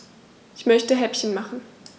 Ich möchte Häppchen machen.